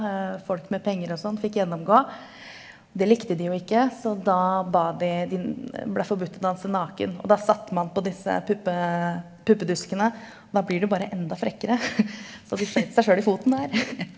folk med penger og sånn fikk gjennomgå, det likte de jo ikke, så da ba de det blei forbudt å danse naken og da satte man på disse puppeduskene, og da blir det bare enda frekkere, så de skøyt seg sjøl i foten der.